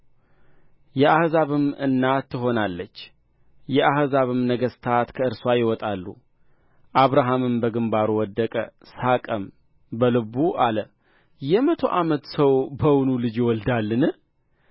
የአሕዛብም እናት ትሆናለች የአሕዛብ ነገሥታት ከእርስዋ ይወጣሉ አብርሃምም በግምባሩ ወደቀ ሳቀም በልቡም አለ የመቶ ዓመት ሰው በውኑ ልጅ ይወልዳልን